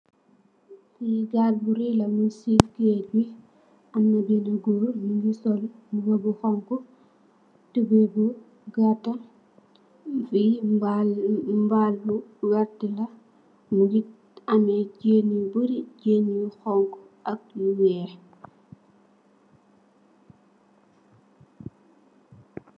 Lii gaal bu reyy la mung cii geudggh bii, amna benah gorre mungy sol mbuba bu honhu, tubeiyy bu gatah, fii mbaal mbaal bu vertue la, mungy ameh jeun yu bari, jeun yu honhu ak yu wekh.